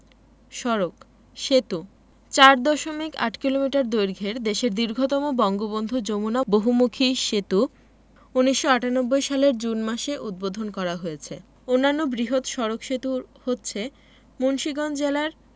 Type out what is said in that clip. সড়কঃ সেতু ৪দশমিক ৮ কিলোমিটার দৈর্ঘ্যের দেশের দীর্ঘতম বঙ্গবন্ধু যমুনা বহুমুখী সেতু ১৯৯৮ সালের জুন মাসে উদ্বোধন করা হয়েছে অন্যান্য বৃহৎ সড়ক সেতু হচ্ছে মুন্সিগঞ্জ জেলার